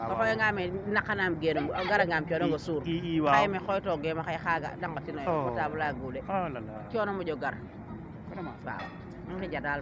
a xooya ngaame naqanam geenu a gara nga um coondong o suur a leye e mee me xoox to geema oxey xaaga de ngotinoyo portable ola guunde coono moƴo gar waw i ngija daal